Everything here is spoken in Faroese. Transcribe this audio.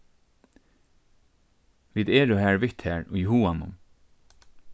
vit eru har við tær í huganum